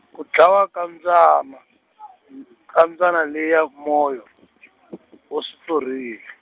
ku dlawa ka mbyana , ka mbyana liya Moyo , u swi sorile.